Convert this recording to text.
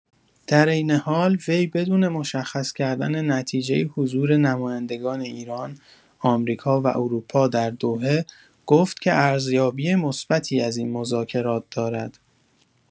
در عین حال، وی بدون مشخص کردن نتیجه حضور نمایندگان ایران، آمریکا و اروپا در دوحه، گفت که ارزیابی مثبتی از این مذاکرات دارد.